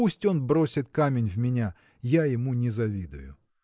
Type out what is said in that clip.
пусть он бросит камень в меня – я ему не завидую.